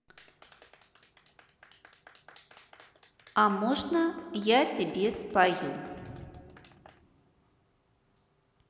а можно я тебе спою